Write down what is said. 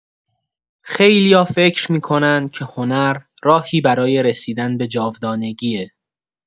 خیلیا فکر می‌کنن که هنر راهی برای رسیدن به جاودانگیه.